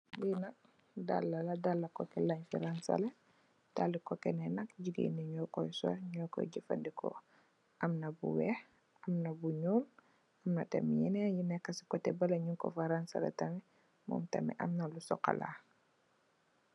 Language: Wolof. Lii nak daalah la, daalah cocket len fii raanzaleh, daalue cocket yii nak gigain njee njur koi sol, njur koi jeufandehkor, amna bu wekh, amna bu njull, amna tamit yenen yu neka cii coteh behleh njung kor fa raanzaleh tamit, mom tamit amna lu chocolat.